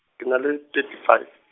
ke na le, thirty five.